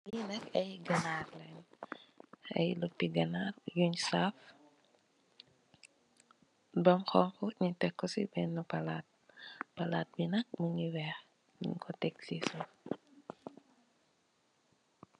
Li nak ay ganarr len. Ay lupih ganarr yu saf bam xonxu ngi def ko ci i benna palat, palat bi nak mugii wèèx ñgi ko tèg ci suuf.